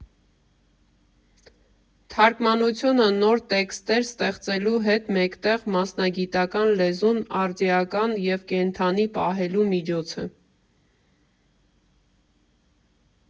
Թարգմանությունը նոր տեքստեր ստեղծելու հետ մեկտեղ մասնագիտական լեզուն արդիական և կենդանի պահելու միջոց է։